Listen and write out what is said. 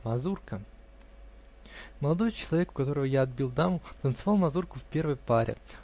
МАЗУРКА Молодой человек, у которого я отбил даму, танцевал мазурку в первой паре.